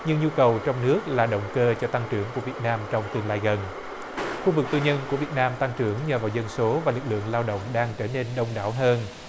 nhưng nhu cầu trong nước là động cơ cho tăng trưởng của việt nam trong tương lai gần khu vực tư nhân của việt nam tăng trưởng nhờ vào dân số và lực lượng lao động đang trở nên đông đảo hơn